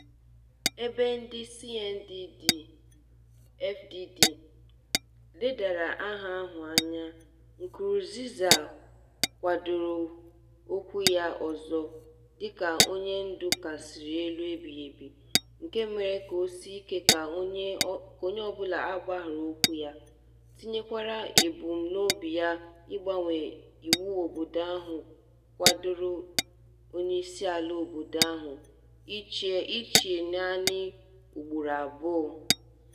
Ebe ndị CNDD-FDD ledara aha ahụ anya, Nkurunziza kwadogharị ọkwá ya ọzọ dịka "onye ndu kachasị elu ebighị ebi" nke mere ka o sie ike ka onye ọbụla gbagha okwu ya, tinyekwara ebumnobi ya ịgbanwe iwu obodo ahụ kwadoro onyeisiala obodo ahụ ịchị naanị ugboro abụọ.